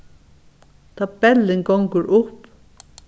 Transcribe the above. tabellin gongur upp